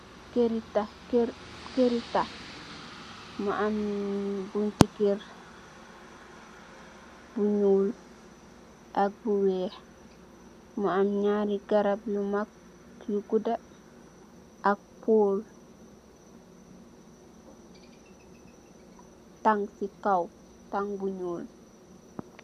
Kér i taax, mu am buntu kér bu ñuul ak bu weex, mu am ñarri garab yu gudda, ak pool, ak tang bu niol.